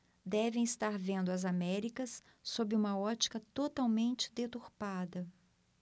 devem estar vendo as américas sob uma ótica totalmente deturpada